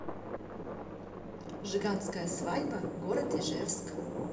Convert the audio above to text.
жиганская свадьба город ижевск